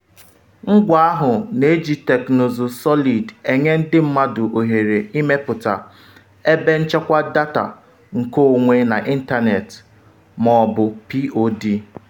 Ngwa ahụ na-eji teknụzụ Solid enye ndị mmadụ oghere imepụta “ebe nchekwa data nkeonwe n’ịntanetị” ma ọ bụ POD.